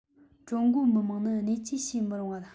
ཀྲུང གོའི མི དམངས ནི བརྙས བཅོས བྱེད མི རུང བ